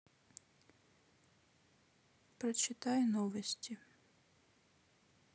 прочитай новости